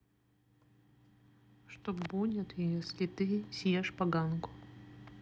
что будет если ты съешь поганку